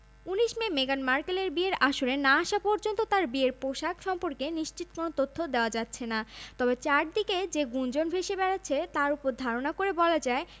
১৯ May মেগান মার্কেলের বিয়ের আসরে না আসা পর্যন্ত তাঁর বিয়ের পোশাক সম্পর্কে নিশ্চিত কোনো তথ্য দেওয়া যাচ্ছে না তবে চারদিকে যে গুঞ্জন ভেসে বেড়াচ্ছে তার ওপর ধারণা করে বলা যায়